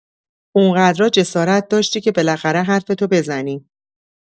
اونقدرا جسارت داشتی که بالاخره حرفتو بزنی.